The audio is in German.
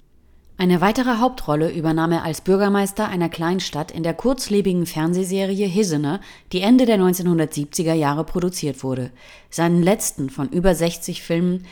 Eine weitere Hauptrolle übernahm als Bürgermeister einer Kleinstadt in der kurzlebigen Fernsehserie Hizzoner, die Ende der 1970er-Jahre produziert wurde. Seinen letzten von über 60 Filmen